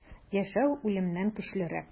Яшәү үлемнән көчлерәк.